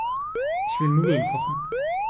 Ich will Nudeln kochen.